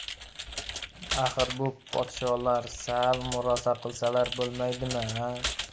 axir bu podsholar sal murosa qilsalar bo'lmaydimi a